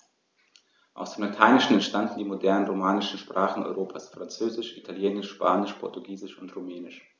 Aus dem Lateinischen entstanden die modernen „romanischen“ Sprachen Europas: Französisch, Italienisch, Spanisch, Portugiesisch und Rumänisch.